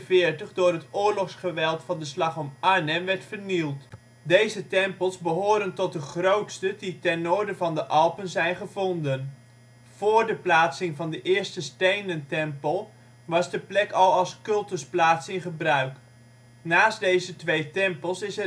1944 door het oorlogsgeweld van de Slag om Arnhem werd vernield. Deze tempels zijn 1 van de grootste die ten noorden van de Alpen zijn gevonden. Voor de plaatsing van de eerste stenen tempel was de plek al als cultusplaats in gebruik. Naast deze twee tempels is